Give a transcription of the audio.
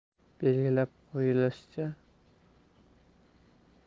belgilab qo'yilishicha